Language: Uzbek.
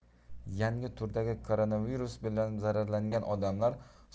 yangi turdagi koronavirus bilan zararlangan odamlar